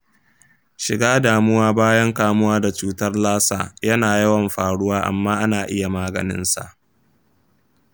shiga damuwa bayan kamuwa da cutar lassa yana yawan faruwa amma ana iya maganinsa.